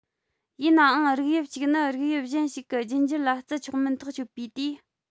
ཡིན ནའང རིགས དབྱིབས གཅིག ནི རིགས དབྱིབས གཞན ཞིག གི རྒྱུད འགྱུར ལ བརྩི ཆོག མིན ཐག གཅོད པའི དུས